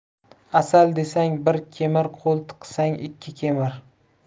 asal desang bir kemir qo'l tiqsang ikki kemir